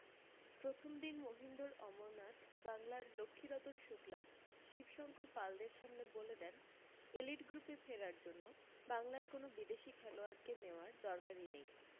প্রথম দিন মহিন্দর অমরনাথ বাংলার লক্ষীরতন শুক্লা শিবশংকর পালদের সামনে বলে দেন এলিট গ্রুপে ফেরার জন্য বাংলার কোনো বিদেশি খেলোয়াড়কে নেওয়ার দরকারি নেই